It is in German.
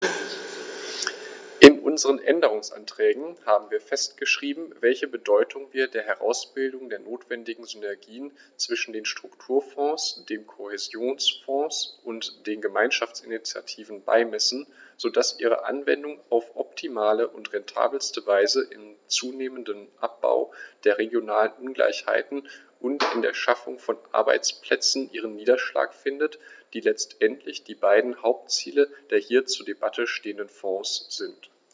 In unseren Änderungsanträgen haben wir festgeschrieben, welche Bedeutung wir der Herausbildung der notwendigen Synergien zwischen den Strukturfonds, dem Kohäsionsfonds und den Gemeinschaftsinitiativen beimessen, so dass ihre Anwendung auf optimale und rentabelste Weise im zunehmenden Abbau der regionalen Ungleichheiten und in der Schaffung von Arbeitsplätzen ihren Niederschlag findet, die letztendlich die beiden Hauptziele der hier zur Debatte stehenden Fonds sind.